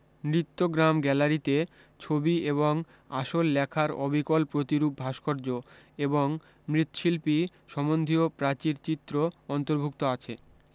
নৃত্যগ্রাম গ্যালারিতে ছবি এবং আসল লেখার অবিকল প্রতিরূপ ভাস্কর্য এবং মৃতশিল্প সম্বন্ধীয় প্রাচীর চিত্র অন্তর্ভুক্ত আছে